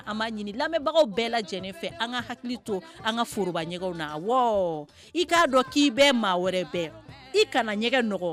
An b'a ɲini lamɛnbagaw bɛɛ lajɛlen fɛ an ka hakili to an ka foroba ɲɛgɛnw na awɔ i k'a dɔn k'i bɛ maa wɛrɛ bɛ i kana ɲɛgɛn